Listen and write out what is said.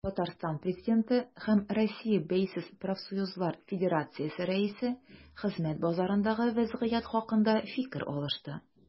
Татарстан Президенты һәм Россия Бәйсез профсоюзлар федерациясе рәисе хезмәт базарындагы вәзгыять хакында фикер алышты.